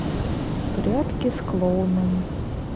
прятки с клоуном